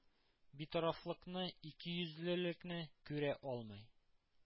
Битарафлыкны, икейөзлелекне күрә алмый: